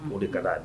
O de ka